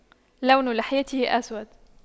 لون لحيته أسود